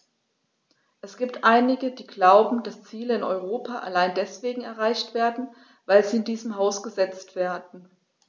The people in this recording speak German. Es gibt einige, die glauben, dass Ziele in Europa allein deswegen erreicht werden, weil sie in diesem Haus gesetzt werden.